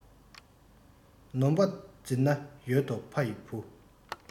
ནོམ པ འཛིར ནས ཡོད དོ ཕ ཡི བུ